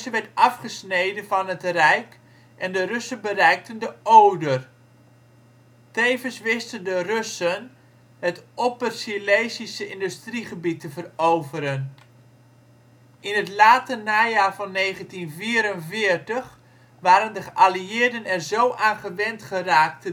werd afgesneden van het Rijk en de Russen bereikten de Oder. Tevens wisten de Russen het Opper-Silezische industriegebied te veroveren. In het late najaar van 1944 waren de geallieerden er zo aan gewend geraakt